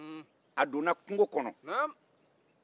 a donna kungo kɔnɔ